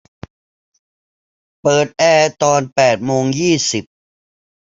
เปิดแอร์ตอนแปดโมงยี่สิบ